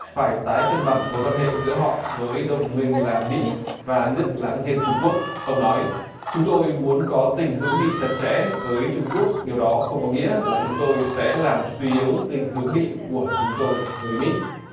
phải tái cân bằng mối quan hệ giữa họ với đồng minh là mỹ và nước láng giềng trung quốc ông nói chúng tôi muốn có tình hữu nghị chặt chẽ với trung quốc điều đó không có nghĩa là chúng tôi sẽ làm suy yếu tình hữu nghị của chúng tôi với mỹ